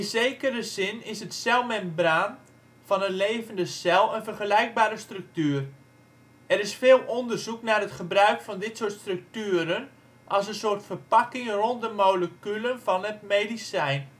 zekere zin is de celmembraan van een levende cel een vergelijkbare structuur. Er is veel onderzoek naar het gebruik van dit soort structuren als een soort verpakking rond de moleculen van het medicijn